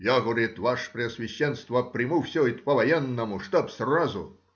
— Я,— говорит,— ваше преосвященство, приму все это по-военному, чтобы сразу.